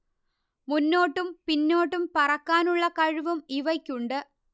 മുന്നോട്ടും പിന്നോട്ടും പറക്കാനുള്ള കഴിവും ഇവയ്ക്കുണ്ട്